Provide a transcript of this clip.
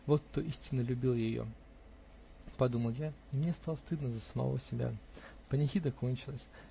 "Вот кто истинно любил ее!" -- подумал я, и мне стало стыдно за самого себя. Панихида кончилась